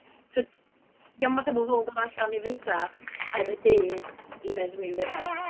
Tibod, dio'm fatha bod bobl yn dod allan i fyta yn y dydd i feddwi'n wirion.